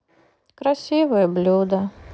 красивое блюдо